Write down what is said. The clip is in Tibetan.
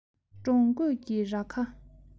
འབྲོང རྒོད ཀྱི རྭ ཁ